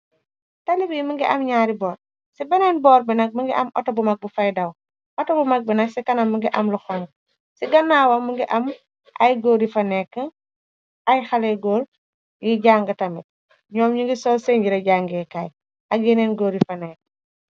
Tali bi mëngi am ñaari boor, ci beneen boor bi nag mëngi am auto bu mag bu faydaw. auto bu mag bi nag ci kanam më ngi am lu honku ci ganaawam mungi am ay gòor yu fanek ay haley góor yi jàng tamit ñoom ñu ngi sol seen yireh jangeekaay ak yeneen gòor yu fanekk.